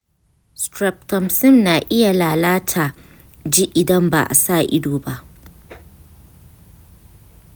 streptomycin na iya lalata ji idan ba a sa ido ba.